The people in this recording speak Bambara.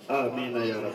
A amiina yan